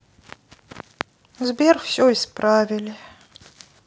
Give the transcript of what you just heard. сбер все исправили